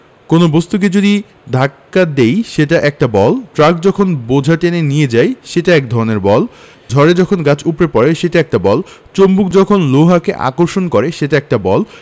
কোনো কিছুকে যদি ধাক্কা দিই সেটা একটা বল ট্রাক যখন বোঝা টেনে নিয়ে যায় সেটা একটা বল ঝড়ে যখন গাছ উপড়ে পড়ে সেটা একটা বল চুম্বক যখন লোহাকে আকর্ষণ করে সেটা একটা বল